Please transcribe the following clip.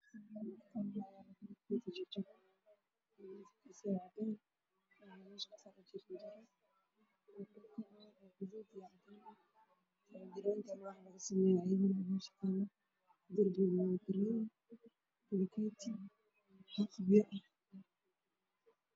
Waa meel banaan oo guri albaabkiisa ah oo jaraanjaro leh oo mutuleel ah